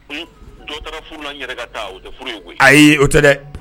Ayi o tɛ dɛ